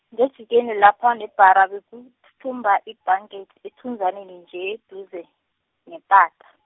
ngejikeni lapha nebhara, bekuthuthumba ibhange , ethunzaneni nje, eduze, nepata.